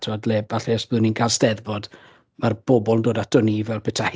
Timod le falle os byddwn ni'n cael steddfod mae'r bobl yn dod ato ni fel petai.